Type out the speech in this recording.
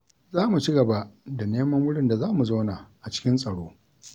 Za mu cigaba da neman wurin da za mu zauna a cikin tsaro.